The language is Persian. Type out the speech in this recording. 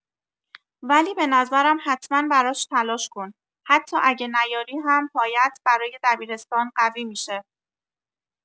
ولی به نظرم حتما براش تلاش کن، حتی اگه نیاری هم‌پایه‌ات برای دبیرستان قوی می‌شه.